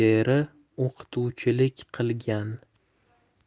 beri o'qituvchilik qilgan